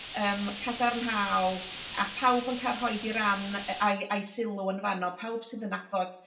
yym cadarnhaol, a pawb yn ca'l rhoid 'u ran yy ai a'i sylw yn fanno pawb sy'n dy nabod